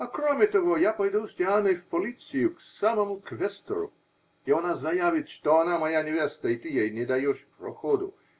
-- А кроме того, я пойду с Дианой в полицию, к самому квестору , и она заявит, что она моя невеста и ты ей не даешь проходу.